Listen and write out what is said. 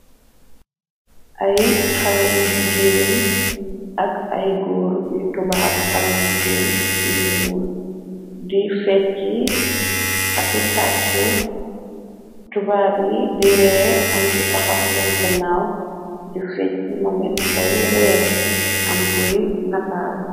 ay xalé yi jigeen ak ay góur yu tubaab xalé yi jigéen yu ñuul di fec yi ak i tàccu tubaab yi di ree am ki taxaw seen gannaaw di feej yi momit bay ree am kuy nataal